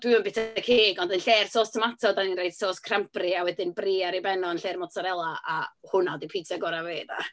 Dwi'm yn byta cig, ond yn lle'r sôs tomato dan ni'n rhoi sôs cranberry, a wedyn brie ar ei ben o yn lle'r mozzarella, a hwnna 'di pitsa gorau fi de.